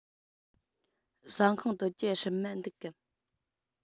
ཟ ཁང དུ ཇ སྲུབས མ འདུག གམ